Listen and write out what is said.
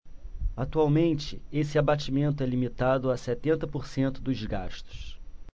atualmente esse abatimento é limitado a setenta por cento dos gastos